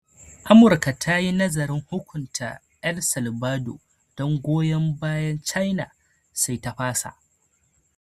Amurka Ta yi Nazarin Hukunta El Salvador Don Goyon Bayan China, Sai ta Fasa